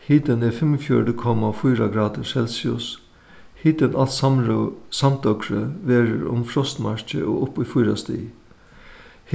hitin er fimmogfjøruti komma fýra gradir celsius hitin samdøgrið verður um frostmarkið og upp í fýra stig